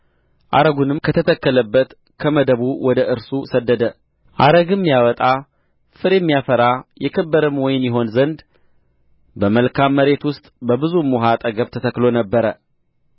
አረጉንም ከተተከለበት ከመደቡ ወደ እርሱ ሰደደ አረግም ያወጣ ፍሬም ያፈራ የከበረም ወይን ይሆን ዘንድ በመልካም መሬት ውስጥ በብዙም ውኃ አጠገብ ተተክሎ ነበር